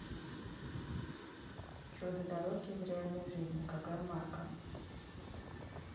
чудо дороги в реальной жизни какая марка